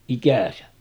ikänsä